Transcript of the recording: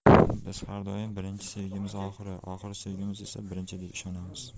biz har doim birinchi sevgimiz oxirgi oxirgi sevgimiz esa birinchi deb ishonamiz